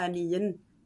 yn un